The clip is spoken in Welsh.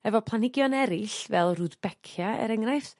efo planhigion eryll fel rudbeckia er enghraifft